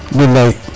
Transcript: bilay